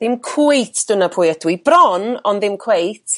dim cweit dyna pwy ydw i, bron ond ddim cweit